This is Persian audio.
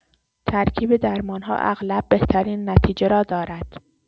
ترکیب درمان‌ها اغلب بهترین نتیجه را دارد.